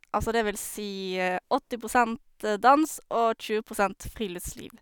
Altså, det vil si åtti prosent dans og tjue prosent friluftsliv.